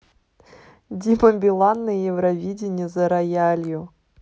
дима билан на евровидении за роялью